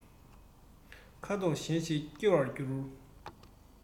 ཁ དོག གཞན ཞིག སྐྱེ བར འགྱུར